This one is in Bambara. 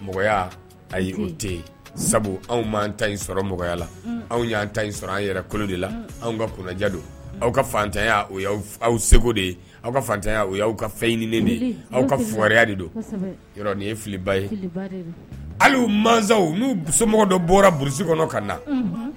Mɔgɔ o tɛ sabu anw'an ta sɔrɔ mɔgɔya la anw y'an ta sɔrɔ an yɛrɛ kolo de la anw ka kunnaja don aw ka fatanya aw segu de ye aw ka fatanya u y' aw ka fɛn ɲini de aw ka fɔriya de don ye filiba ye hali masaw niu somɔgɔ dɔ bɔraurusi kɔnɔ ka na